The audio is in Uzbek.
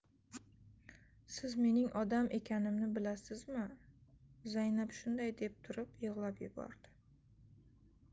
siz mening odam ekanimni bilasizmi zaynab shunday deb turib yig'lab yubordi